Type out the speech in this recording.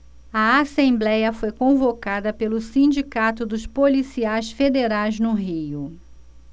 a assembléia foi convocada pelo sindicato dos policiais federais no rio